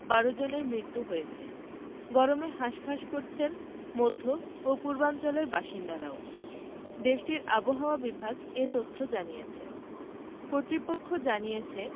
১২ জনের মৃত্যু হয়েছে গরমে হাসফাঁস করছেন মধ্য ও পূর্বাঞ্চলের বাসিন্দারাও দেশটির আবহাওয়া বিভাগ এ তথ্য জানিয়েছে কর্তৃপক্ষ জানিয়েছে